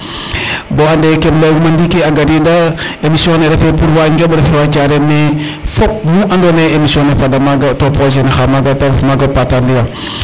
Bo ande ke layooguma ndiiki a gariida émission refee pour wa Ndiob refe wa Thaire mais fop mu andoona yee émission ne fada maaga to projet ne xay maaga ta ref maaga o Patar.